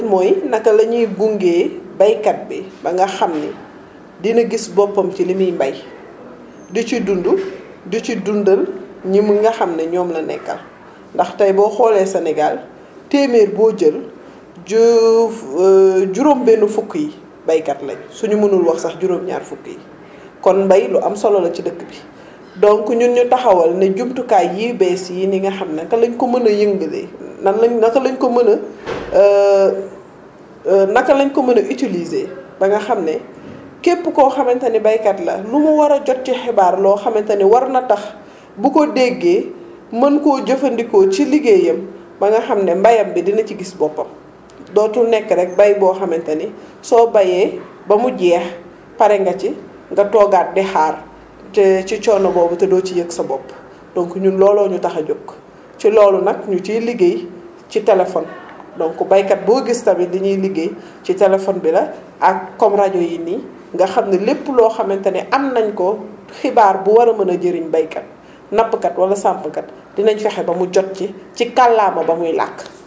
suñu mbébét mooy naka la ñuy gungee béykat yi ba nga xam ni dina gis boppam ci li muy béy di ci dund di ci dundal ñi mu nga xam ne ñoom la nekkal ndax tey boo xoolee Sénégal téeméer boo jël ju juróom-benn fukk yi béykat lañ suñu mënul wax sax juróom-ñaar fukk yi kon mbay lu am solo la ci dëkk bi donc ñun ñu taxawal ne jumtukaay yu bees yii nii nga xam ne fa lañ ko mën a yëngalee nan lañ naka lañ ko mën a naka lañ ko mën a utilisé ba nga xam ne képp koo xamante ne béykat la lu mu war a jot ci xibaar loo xamante ne war na tax bu ko déggee mën koo jëfandikoo ci liggéeyam ba nga xam ne mbayam bi dina ci gis boppam dootul nekk rek béy boo xamante ni soo béyee ba mu jeex pare nga ci nga toogaat di xaar te ci coono boobu te doo ci yëg sa bopp donc ñun looloo ñu tax a jóg ci loolu nag ñu ciy liggéey ci téléphone donc béykat boo gis tamit li ñuy liggéey ci téléphone bi la ak comme rajo yi nii nga xam ne lépp loo xamante ne am nañ ko xibaar bu war a mën a jëriñ béykat nappkat wala sàmmkat dinañ fexe ba mu jot ci ci kallaama ba muy lakk